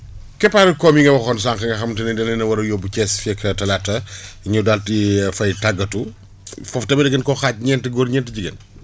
keppaaru koom yi nga waxoon sànq nga xam te ne daleen a war a yóbbu Thiès fii ak talaata ñu daal di fay tàggatu foofu tamit dangeen kooo xaaj ñeenti góor ñeent jigéen